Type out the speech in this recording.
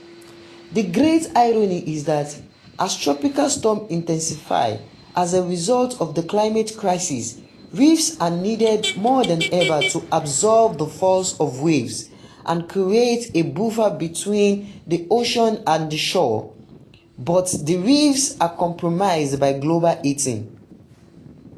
The great irony is that, as tropical storms intensify as a result of the climate crisis, reefs are needed more than ever to absorb the force of waves and create a buffer between the ocean and the shore — but the reefs are compromised by global heating.